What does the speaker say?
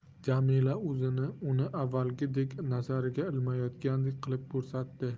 jamila o'zini uni avvalgidek nazariga ilmayotgandek qilib ko'rsatdi